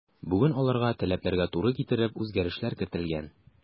Бүген аларга таләпләргә туры китереп үзгәрешләр кертелгән.